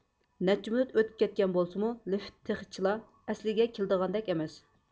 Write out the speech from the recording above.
مۇسابىقە ئاخىرلاشتى كوماندا ئەزالىرىنىڭ چېھرىدە غەلىبە كۈلكىسى ئەكس ئەتتى